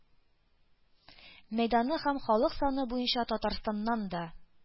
Мәйданы һәм халык саны буенча Татарстаннан да